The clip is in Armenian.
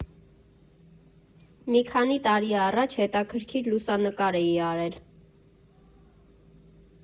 Մի քանի տարի առաջ հետաքրքիր լուսանկար էի արել։